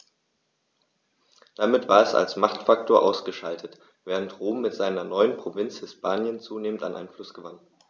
Damit war es als Machtfaktor ausgeschaltet, während Rom mit seiner neuen Provinz Hispanien zunehmend an Einfluss gewann.